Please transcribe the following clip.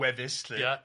Wefus 'lly. Ia.